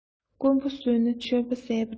རྐུན པོ གསོས ན ཆོས པ བསད པ འདྲ